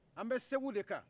an bɛ segu de kan